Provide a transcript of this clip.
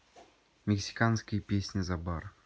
мексиканские песни за бар